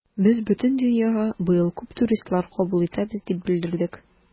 Без бөтен дөньяга быел күп туристлар кабул итәбез дип белдердек.